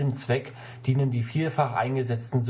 Zweck dienen die vielfach eingesetzten